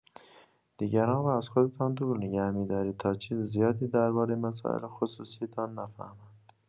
دیگران را از خودتان دور نگه می‌دارید تا چیز زیادی درباره مسائل خصوصی‌تان نفهمند.